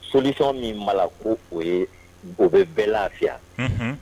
Solisɔn min ma ko o ye o bɛ bɛɛ lafiya